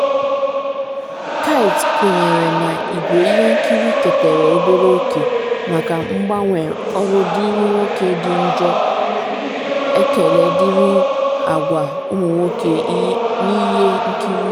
Kit kwenyere na igwe ihe nkiri ketere obere oke maka mbawanye ọrụ dịrị nwoke dị njọ, ekele dịịrị agwa ụmụ-nwoke n’ihe nkiri.